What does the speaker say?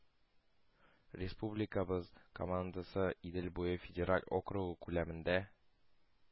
Республикабыз командасы Идел буе федераль округы күләмендә